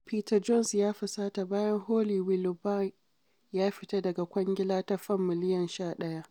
Peter Jones 'ya fusata' bayan Holly Willoughby ya fita daga kwangila ta Fam miliyan 11